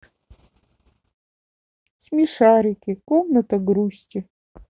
смешарики комната грусти